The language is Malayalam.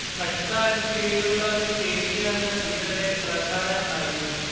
'ഖട്ക' എന്നു പേരുള്ള ഒരു കെണിയാണ് ഇവരുടെ പ്രധാന ആയുധം